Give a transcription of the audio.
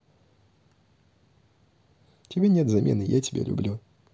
тебе нет замены я тебя люблю